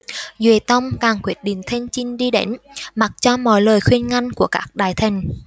duệ tông càng quyết định thân chinh đi đánh mặc cho mọi lời khuyên ngăn của các đại thần